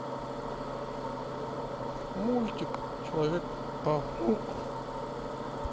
мультик человек паук